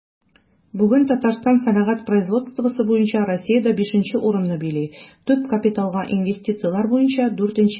Бүген Татарстан сәнәгать производствосы буенча Россиядә 5 нче урынны били, төп капиталга инвестицияләр буенча 4 нче.